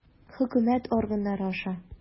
Хөкүмәт органнары аша.